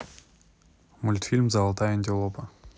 мультфильм золотая антилопа